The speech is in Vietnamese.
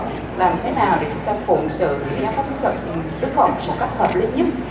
làm thế nào để chúng ta phụng sự gia cấp đức phật một cách hợp lý nhất